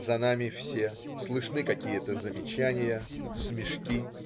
За нами - все, слышны какие-то замечания, смешки.